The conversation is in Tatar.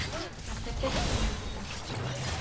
Мәктәптә химия укыта